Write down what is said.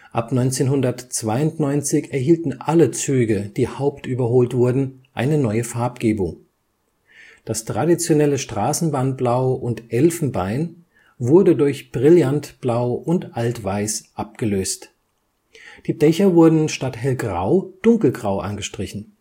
Ab 1992 erhielten alle Züge, die hauptüberholt wurden, eine neue Farbgebung. Das traditionelle Straßenbahnblau und Elfenbein wurde durch Brillantblau und Altweiß abgelöst. Die Dächer wurden statt hellgrau dunkelgrau angestrichen